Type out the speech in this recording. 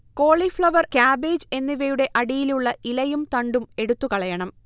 cauliflower, cabbage എന്നിവയുടെ അടിയിലുള്ള ഇലയും തണ്ടും എടുത്തുകളയണം